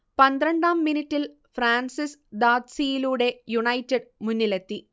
പന്ത്രണ്ടാം മിനിറ്റിൽ ഫ്രാൻസിസ് ദാദ്സീയിലൂടെ യുണൈറ്റഡ് മുന്നിലെത്തി